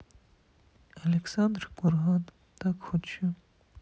александр курган так хочу